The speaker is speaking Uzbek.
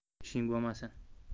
ishing bo'lmasin